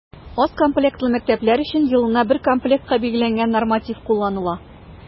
Аз комплектлы мәктәпләр өчен елына бер комплектка билгеләнгән норматив кулланыла.